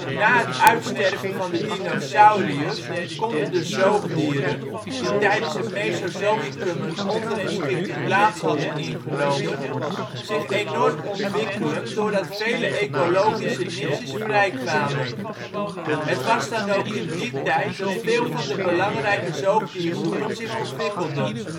Na het uitsterven van de dinosauriërs konden de zoogdieren, die tijdens het Mesozoïcum een ondergeschikte plaats hadden ingenomen, zich enorm ontwikkelen doordat vele ecologische niches vrij kwamen. Het was dan ook in die tijd dat veel van de belangrijke zoogdiergroepen zich ontwikkelden